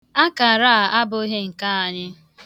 Akara a abụghị nke anyị.